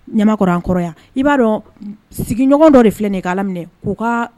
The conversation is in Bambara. Ɲamakɔrɔ an kɔrɔ yan i b'a dɔn sigiɲɔgɔn dɔ de filɛ nin ka Ala minɛ k'u ka